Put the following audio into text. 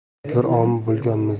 bizlar omi bo'lganmiz